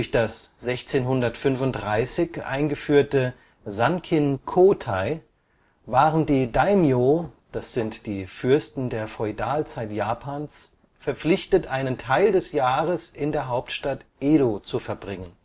das 1635 eingeführte sankin kōtai, waren die Daimyō (Fürsten der Feudalzeit Japans) verpflichtet, einen Teil des Jahres in der Hauptstadt Edo zu verbringen